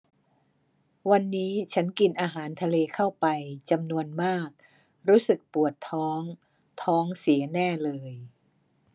วันนี้ฉันกินอาหารทะเลเข้าไปจำนวนมากรู้สึกปวดท้องท้องเสียแน่เลย